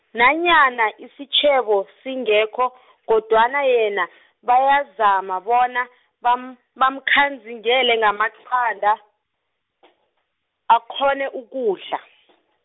nanyana isitjhebo singekho kodwana yena, bayazama bona, bam- bamkhanzingele ngamaqanda , akghone ukudla .